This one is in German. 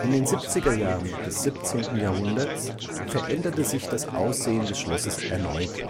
In den 70er Jahren des 17. Jahrhunderts veränderte sich das Aussehen des Schlosses erneut.